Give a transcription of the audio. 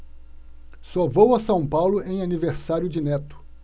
só vou a são paulo em aniversário de neto